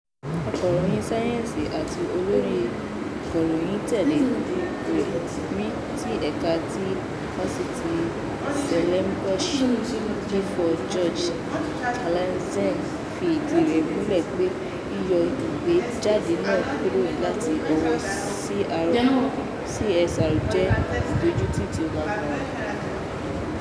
Akọ̀ròyìn sáyẹ́ǹsì àti olórí ìkọ̀ròyìn tẹ́lẹ̀ rí ti ẹ̀ka ti Fáṣítì Stellenbosch, D4 George Claasen fi ìdí rẹ̀ múlẹ̀ pé yíyọ ìgbéjáde náà kúrò láti ọwọ́ CSR jẹ́ "ìdójútini tí ó lágbára".